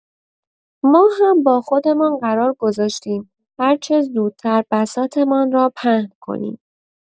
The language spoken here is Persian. ما هم با خودمان قرار گذاشتیم هرچه زودتر بساطمان را پهن کنیم.